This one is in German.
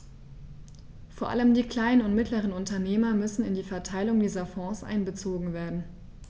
Vor allem die kleinen und mittleren Unternehmer müssen in die Verteilung dieser Fonds einbezogen werden.